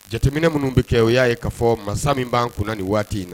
Jateminɛ munun bi kɛ o ya ye kafɔ masa min ban kunna nin waati in na.